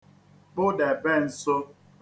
-kpụdèbe nsō